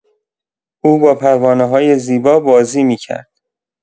او با پروانه‌های زیبا بازی می‌کرد.